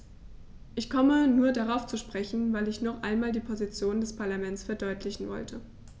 Ich komme nur darauf zu sprechen, weil ich noch einmal die Position des Parlaments verdeutlichen wollte.